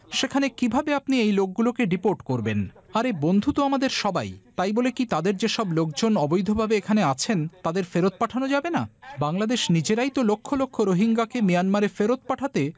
সেখানে কিভাবে আপনি এই লোকগুলো কে ডিপোর্ট করবেন আরে বন্ধু তো আমাদের সবাই তাই বলে কি তাদের যে সব লোকজন অবৈধভাবে এখানে আছেন তাদের ফেরত পাঠানো যাবে না বাংলাদেশ নিজেরাই তো লক্ষ লক্ষ রোহিঙ্গাকে মিয়ানমারে ফেরত পাঠাতে